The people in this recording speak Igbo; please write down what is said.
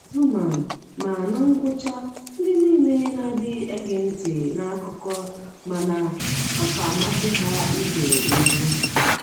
Xuman: Ma na ngwucha, ndị niile n'adịghị ege ntị n'akụkọ mana ọ ka masị ha ige egwu.